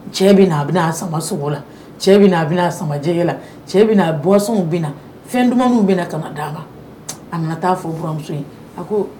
Cɛ bɛna a bɛna a samasoko la cɛ a a samajɛgɛ la cɛ bɛna a buwaw bɛna fɛn dumuni bɛna ka di an ma a nana taa fɔ bmuso in a ko